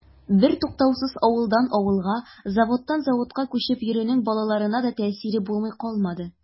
Бертуктаусыз авылдан авылга, заводтан заводка күчеп йөрүнең балаларына да тәэсире булмый калмады.